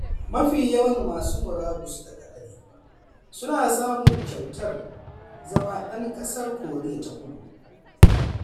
Mafi yawan masu murabus daga Arewa su na samun kyautar zama dan kasar Koriya ta kudu.